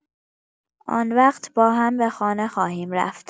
آن‌وقت باهم به خانه خواهیم رفت.